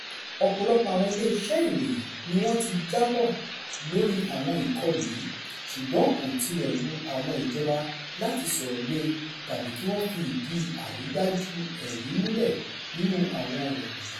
Ọ̀pọ̀lọpọ̀ àwọn iléeṣẹ́ ìròyìn ni wọ́n ti jábọ̀ lórí àwọn ìkọlù yìí ṣùgbọ́n kò tilẹ̀ wu àwọn ìjọba láti sọ̀rọ̀ lé e tàbí kí wọ́n fi ìdí àrídájú ẹ̀rí múlẹ̀ nínú àwọn ọ̀rọ̀ yìí.